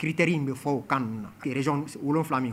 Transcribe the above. Criteres in bɛ fɔ o kan ninnu na régions 7 min